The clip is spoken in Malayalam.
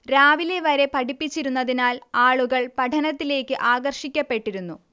രാവിലെ വരെ പഠിപ്പിച്ചിരുന്നതിനാൽ ആളുകൾ പഠനത്തിലേക്ക് ആകർഷിക്കപ്പെട്ടിരുന്നു